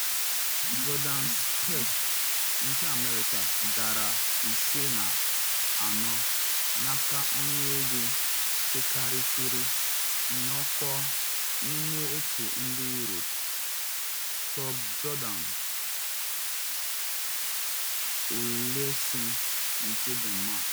Jordan Spieth nke America dara 5na4 n’aka onye egwu pekarịsịrị n’ọkwa n’ime otu ndị Europe, Thorbjorn Olesen nke Denmark.